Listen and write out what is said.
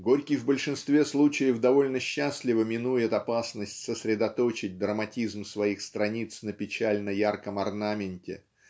Горький в большинстве случаев довольно счастливо минует опасность сосредоточить драматизм своих страниц на печально-ярком орнаменте